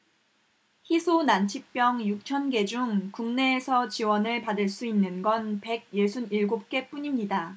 희소난치병 육 천 개 중 국내에서 지원을 받을 수 있는 건 백 예순 일곱 개뿐입니다